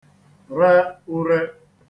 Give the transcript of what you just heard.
re ūrē